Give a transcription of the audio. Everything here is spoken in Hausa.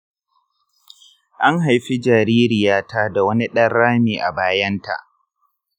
an haifi jaririyata da wani ɗan rami a bayanta.